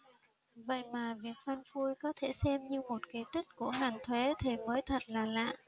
vậy mà việc phanh phui có thể xem như một kỳ tích của ngành thuế thì mới thật là lạ